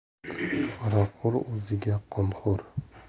aroqxo'r o'ziga qonxo'r